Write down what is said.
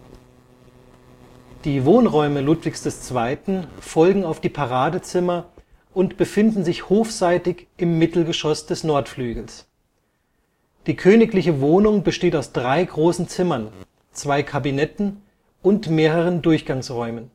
Die Wohnräume Ludwigs II. folgen auf die Paradezimmer und befinden sich hofseitig im Mittelgeschoss des Nordflügels. Die königliche Wohnung besteht aus drei großen Zimmern, zwei Kabinetten und mehreren Durchgangsräumen